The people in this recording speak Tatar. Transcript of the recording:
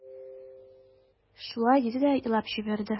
Шулай диде дә елап та җибәрде.